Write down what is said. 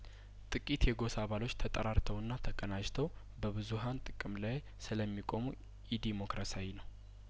ጥቂት የጐሳ አባሎች ተጠራርተውና ተቀናጅተው በብዙሀን ጥቅም ላይ ስለሚ ቆሙ ኢ ዴሞክራሲያዊ ነው